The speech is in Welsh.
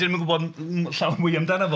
Dan ni'm yn gwybod m- llawer fwy amdano fo.